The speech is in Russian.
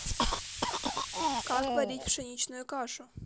как варить пшенную кашу